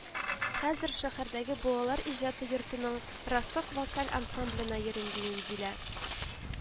Хәзер шәһәрдәге балалар иҗаты йортының «Росток» вокаль ансамбленә йөрим, – ди Инзилә